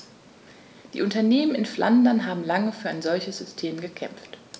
Die Unternehmen in Flandern haben lange für ein solches System gekämpft.